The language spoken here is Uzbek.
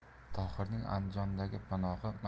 tohirning andijondagi panohi